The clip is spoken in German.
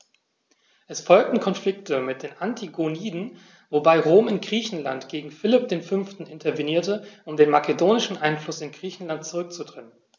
Es folgten Konflikte mit den Antigoniden, wobei Rom in Griechenland gegen Philipp V. intervenierte, um den makedonischen Einfluss in Griechenland zurückzudrängen.